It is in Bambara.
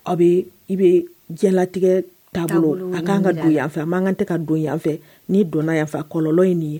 A bɛ i bɛ jɛtigɛ taabolo a k' kanan ka don yanfɛ a' kan tɛ ka don yanfɛ n' donna yanfɛ kɔlɔn in nin ye